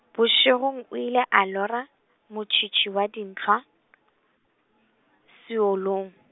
bošegong o ile a lora, motšhitšhi wa dintlhwa , seolong.